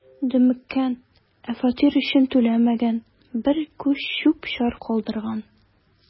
„дөмеккән, ә фатир өчен түләмәгән, бер күч чүп-чар калдырган“.